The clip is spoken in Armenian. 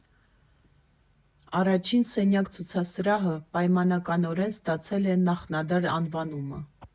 Առաջին սենյակ֊ցուցասրահը պայմանականորեն ստացել է «նախնադար» անվանումը։